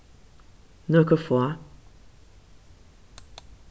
nøkur fá